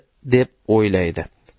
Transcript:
deb o'ylaydi